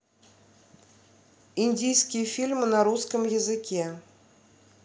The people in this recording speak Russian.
индийские фильмы на русском языке